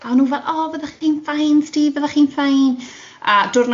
A o'n nhw fel fyddi chdi'n fine 'sti, fyddi di'n fine